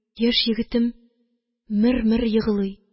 Яшь егетем мер-мер еглый.